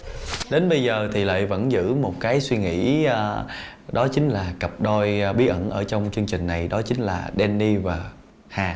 đến bây giờ thì lại vẫn giữ một cái suy nghĩ đó chính là cặp đôi bí ẩn ở trong chương trình này đó chính là đen ni và hà